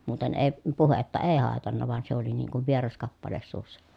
muuten ei puhetta ei haitannut vaan se oli niin kuin vieras kappale suussa